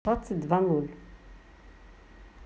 двадцать два ноль ноль